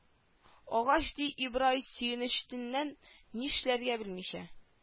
Агач ди ибрай сөенеченнән нишләргә белмичә